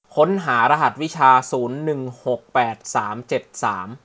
ค้นหารหัสวิชาศูนย์หนึ่งหกแปดสามเจ็ดสาม